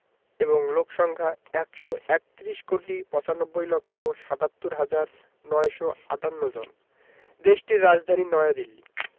এবং লোক সংখ্যা ১৩১ কোটি ৯৫ লক্ষ ৭৭ হাজার ৯৫৮ জনদেশটির রাজধানী নয়াদিল্লী